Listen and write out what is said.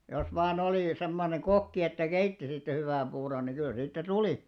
jos vain oli semmoinen kokki että keitti siitä hyvän puuron niin kyllä siitä tuli